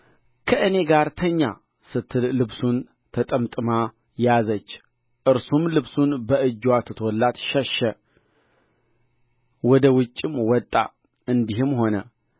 ድምፄንም ከፍ አድርጌ እንደ ጮኽሁ ቢሰማ ልብሱን በእኔ ዘንድ ጥሎ ሸሸ ወደ ውጭም ወጣ